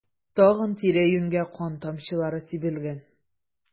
Тагын тирә-юньгә кан тамчылары сибелгән.